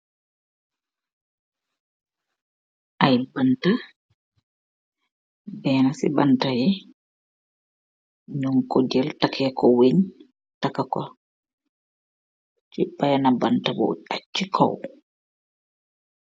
Aiy banta, bena si bantayi, nyun ko jel takeko wein, takako, si bena banta bu ach chi kaw.